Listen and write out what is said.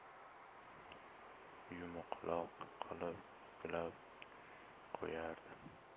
yumqloq qilib buklab qo'yardi